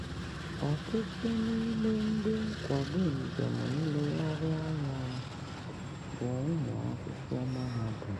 Ọtụtụ n'ime ndị nkwado njem nlegharị anya bụ ụmụ akwụkwọ mahadum.